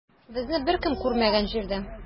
Безне беркем күрмәгән җирдә.